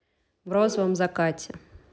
в розовом закате